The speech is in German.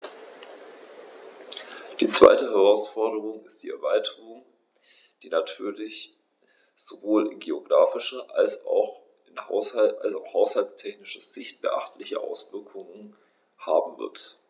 Die zweite Herausforderung ist die Erweiterung, die natürlich sowohl in geographischer als auch haushaltstechnischer Sicht beachtliche Auswirkungen haben wird.